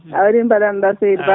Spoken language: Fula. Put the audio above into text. a waɗi no mbaɗanno ɗa seydi Ba